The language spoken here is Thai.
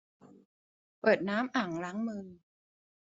เปิดน้ำอ่างล้างมือ